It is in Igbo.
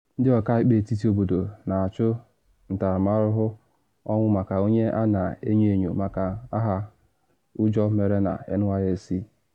Ndị ọkaikpe etiti obodo na achụ ntaramahụhụ ọnwụ maka onye a na enyo enyo maka agha ụjọ mere na NYC